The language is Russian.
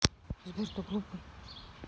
сбер ты глупый